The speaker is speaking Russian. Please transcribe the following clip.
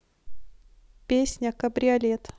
песня кабриолет